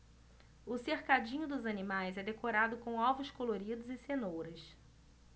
o cercadinho dos animais é decorado com ovos coloridos e cenouras